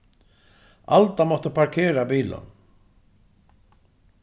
alda mátti parkera bilin